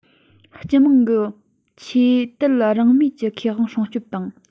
སྤྱི དམངས ཀྱི ཆོས དད རང མོས ཀྱི ཁེ དབང སྲུང སྐྱོབ དང